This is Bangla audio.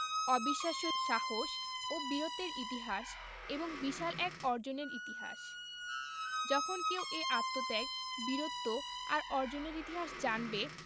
অবিশ্বাস্য সাহস ও বীরত্বের ইতিহাস এবং বিশাল এক অর্জনের ইতিহাস যখন কেউ এই আত্মত্যাগ বীরত্ব আর অর্জনের ইতিহাস জানবে